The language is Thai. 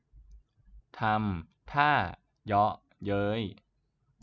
ทำท่าเยาะเย้ย